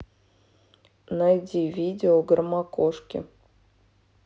найди видео громокошки